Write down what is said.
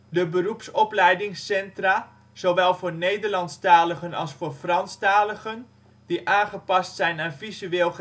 de Beroepsopleidingscentra (zowel voor Nederlandstaligen als voor Franstaligen) die aangepast zijn aan visueel